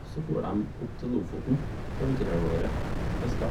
Og så for dem opp til Lofoten på vinterhalvåret og fiska.